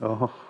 O!